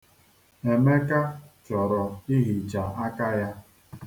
Emeka chọrọ ihicha aka ya.